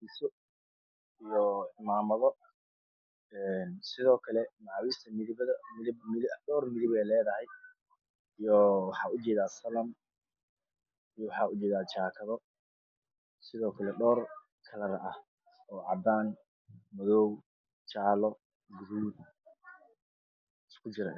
Halkan waa carwo, waxaa yaal dhar midabbo kala duwan leh: madow, guduud, caddaan, cawlan, dahabi, qaxwe, bunni, buluug iyo jaalle-bar.